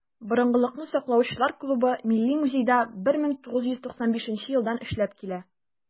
"борынгылыкны саклаучылар" клубы милли музейда 1995 елдан эшләп килә.